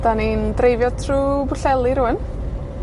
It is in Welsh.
'Dan ni'n dreifio trw Pwllheli rŵan.